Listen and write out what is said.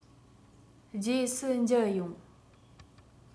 རྗེས སུ མཇལ ཡོང